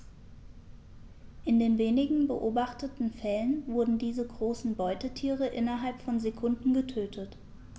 In den wenigen beobachteten Fällen wurden diese großen Beutetiere innerhalb von Sekunden getötet.